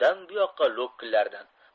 dam bu yoqqa lo'killardi